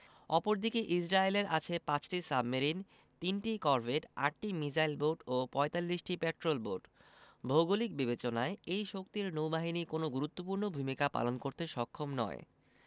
অপরদিকে ইসরায়েলের আছে ৫টি সাবমেরিন ৩টি করভেট ৮টি মিসাইল বোট ও ৪৫টি পেট্রল বোট ভৌগোলিক বিবেচনায় এই শক্তির নৌবাহিনী কোনো গুরুত্বপূর্ণ ভূমিকা পালন করতে সক্ষম নয়